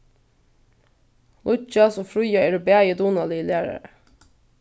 líggjas og fríða eru bæði dugnaligir lærarar